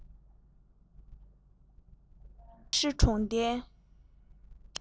ཧྥུ ལང ཧྲི གྲོང རྡལ